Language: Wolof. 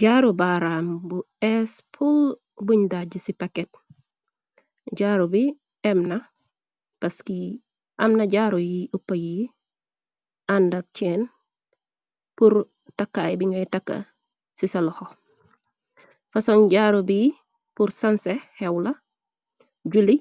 Jaaru baaraam bu ees pol buñ dàjj ci paket. Jaaru bi emna paski amna jaaru yiy uppa yi àndak ceen pur takkaay bi ngay takka ci sa loxo fason. Jaaru bi pur sanse xew la juli